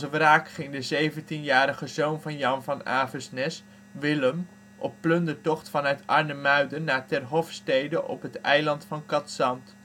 wraak ging de zeventienjarige zoon van Jan van Avesnes, Willem, op plundertocht vanuit Arnemuiden naar Terhofstede op het eiland van Cadzand